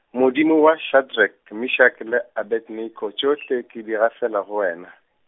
Modimo wa Shadrack, Meshack le Abednego tšohle ke di gafela go wena.